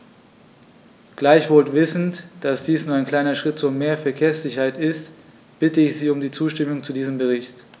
Gleichwohl wissend, dass dies nur ein kleiner Schritt zu mehr Verkehrssicherheit ist, bitte ich Sie um die Zustimmung zu diesem Bericht.